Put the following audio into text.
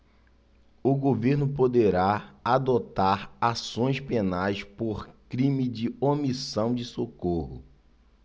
o governo poderá adotar ações penais por crime de omissão de socorro